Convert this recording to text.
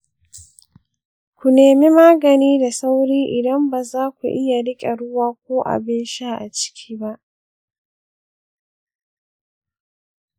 ku nemi magani da sauri idan ba za ku iya riƙe ruwa ko abin sha a ciki ba